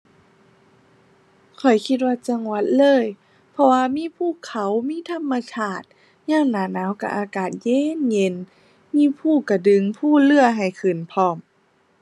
ข้อยคิดว่าจังหวัดเลย เพราะว่ามีภูเขามีธรรมชาติ ยามหน้าหนาวก็อากาศเย็นเย็น มีภูกระดึง ภูเรือให้ขึ้นพร้อม